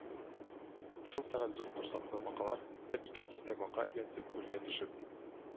Шул сәгать зур корсаклы бакалар, бер-ике дистә бака ияртеп, күлгә төшеп